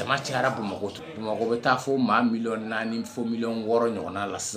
Jama cara bamakɔ bamakɔ bɛ taa fɔ maa mi naani fɔ mi wɔɔrɔ ɲɔgɔn la sisan